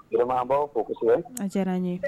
Tilebaw ko kosɛbɛ an diyara n ye